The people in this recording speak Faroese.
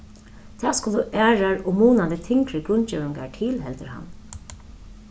tað skulu aðrar og munandi tyngri grundgevingar til heldur hann